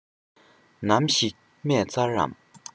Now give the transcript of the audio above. ནམ ཞིག རྨས ཚར རམ